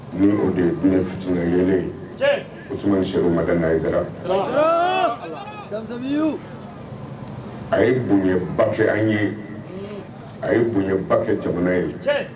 Ni de ye fi ye ye o se ma n' ye a ye bonyaba kɛ an ye a ye bonyaba kɛ jamana ye